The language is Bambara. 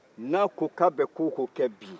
n'a ko ko a bɛ ko o ko kɛ bi